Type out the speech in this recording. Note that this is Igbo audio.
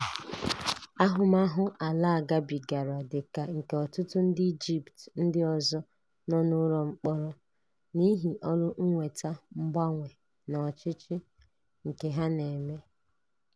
Ahụmahụ Alaa gabigara dị ka nke ọtụtụ ndị Egypt ndị ọzọ nọ n'ụlọ mkpọrọ n'ihi ọrụ mweta mgbanwe n'ọchịchị nke ha na-eme.